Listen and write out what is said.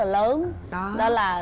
lớn nên là